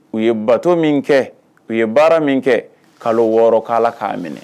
U ye bato min kɛ u ye baara min kɛ kalo wɔɔrɔ ko Ala k'a minɛ